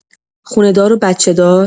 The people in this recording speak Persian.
خونه‌دار و بچه‌دار!